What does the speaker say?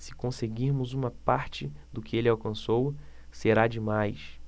se conseguirmos uma parte do que ele alcançou será demais